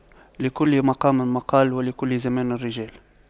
لكل مقام مقال ولكل زمان رجال